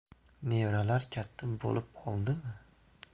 nevaralar katta bo'lib qoldimi